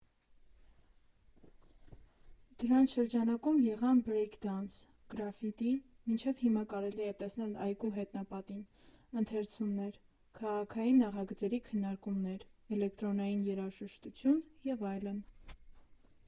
Դրանց շրջանակում եղան բրեյք֊դանս, գրաֆիտի (մինչև հիմա կարելի է տեսնել այգու հետնապատին), ընթերցումներ, քաղաքային նախագծերի քննարկումներ, էլեկտրոնային երաժշտություն և այլն։